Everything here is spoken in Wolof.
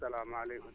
salaamaaleykum